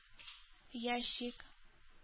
Ящик